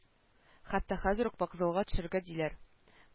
Хәтта хәзер үк вокзалга төшәргә диләр